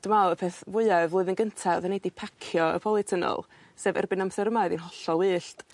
dwi me'wl y peth fwy y flwyddyn gynta odden i 'di pacio y poly tunnel sef erbyn amser yma o'dd 'i'n hollol wyllt.